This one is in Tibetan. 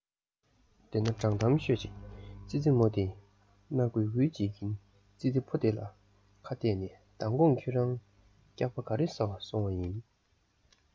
དེ ན དྲང གཏམ ཤོད ཅིག ཙི ཙི མོ དེས སྣ འགུལ འགུལ བྱེད ཀྱིན ཙི ཙི ཕོ དེ ལ ཁ གཏད ནས མདང དགོང ཁྱོད རང སྐྱག པ ག རེ ཟ བར སོང བ ཡིན